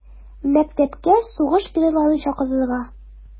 Мәктәпкә сугыш геройларын чакырырга.